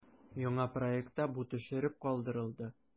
Яңа проектта бу төшереп калдырылды.